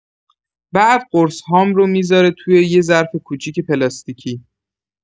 بعد قرص‌هام رو می‌ذاره توی یه ظرف کوچیک پلاستیکی.